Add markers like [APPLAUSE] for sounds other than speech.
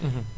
[HESITATION] [HESITATION]